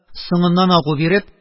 Соңыннан агу биреп